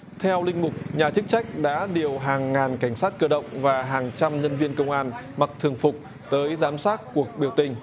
theo linh mục nhà chức trách đã điều hàng ngàn cảnh sát cơ động và hàng trăm nhân viên công an mặc thường phục tới giám sát cuộc biểu tình